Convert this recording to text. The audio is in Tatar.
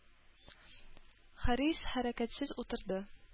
Харис хәрәкәтсез утырды.